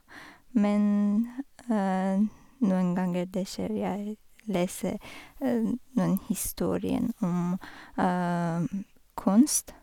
Men noen ganger det skjer jeg lese noen historien om kunst.